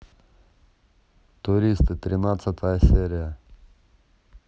туристы тринадцатая серия